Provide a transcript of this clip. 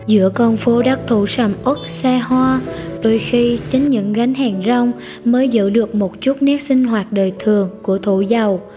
giữa con phố đất thủ sầm uất xa hoa đôi khi chính những gánh hàng rong mới giữ được một chút nét sinh hoạt đời thường của thủ dầu